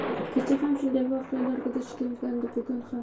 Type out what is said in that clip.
kecha ham shunday voqealarga duch kelgandi bugun ham